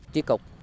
chi cục